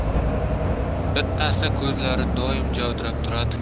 bittasi ko'zlari doim javdirab turadi